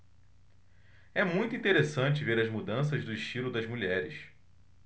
é muito interessante ver as mudanças do estilo das mulheres